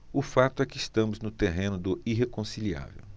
o fato é que estamos no terreno do irreconciliável